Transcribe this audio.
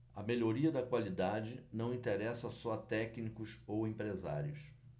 a melhoria da qualidade não interessa só a técnicos ou empresários